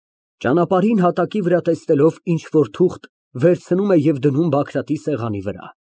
Ճանապարհին հատակի վրա տեսնելով ինչ֊որ թուղթ, վերցնում է և դնում Բագրատի սեղանի վրա)։